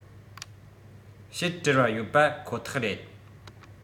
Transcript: བཤད བྲེལ བ ཡོད པ ཁོ ཐག རེད